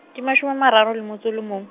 ke mashome a mararo le motso le mong.